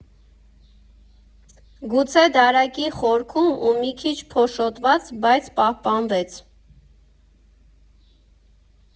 Գուցե դարակի խորքում ու մի քիչ փոշոտված, բայց պահպանվեց։